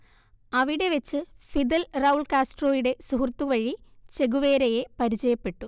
അവിടെ വെച്ച് Fidel Raul കാസ്ട്രോയുടെ സുഹൃത്തു വഴി ചെഗുവേരയെ പരിചയപ്പെട്ടു